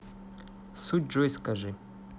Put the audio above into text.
суть джой скажи